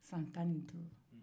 san tan ni duuru